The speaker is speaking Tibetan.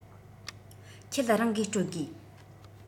ཁྱེད རང གི སྤྲོད དགོས